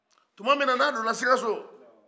tumami ni a donna sikaso